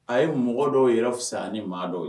A ye mɔgɔ dɔw yɛrɛ sisan fisa ani ni maa dɔw ye